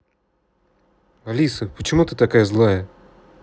алиса почему ты такая злая